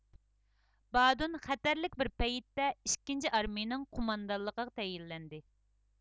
بادون خەتەرلىك بىر پەيتتە ئىككىنچى ئارمىيىنىڭ قوماندانلىقىغا تەيىنلەندى